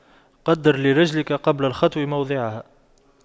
قَدِّرْ لِرِجْلِكَ قبل الخطو موضعها